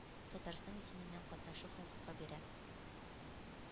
Татарстан исеменнән катнашу хокукы бирә.